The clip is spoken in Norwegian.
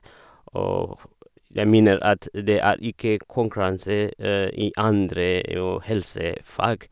Og jeg mener at det er ikke konkurranse i andre og helsefag.